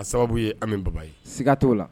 A sababu ye an bɛ baba ye siga ttɔ la